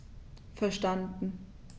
Verstanden.